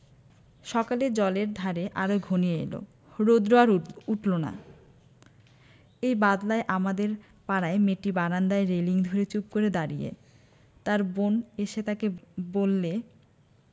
সকালে জলের ধারে আরো ঘনিয়ে এল রোদ্র আর উঠল না এই বাদলায় আমাদের পাড়ায় মেয়েটি বারান্দায় রেলিঙ ধরে চুপ করে দাঁড়িয়ে তার বোন এসে তাকে বললে